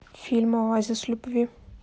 фильм оазис любви